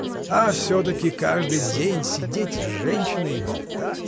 — А все-таки каждый день сидеть с женщиной и болтать!.